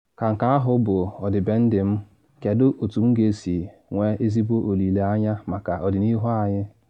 Ka nke ahụ bụ ọdịbendị m, kedu otu m ga-esi nwee ezigbo olile anya maka ọdịnihu anyị?”